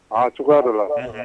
Aa cogoya dɔ la